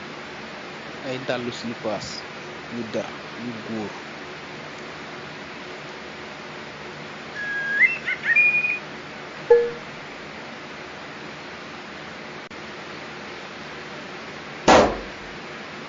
Ay dalli slippers yu dér yu gór.